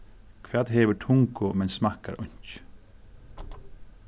hvat hevur tungu men smakkar einki